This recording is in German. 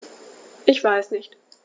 Ich weiß nicht.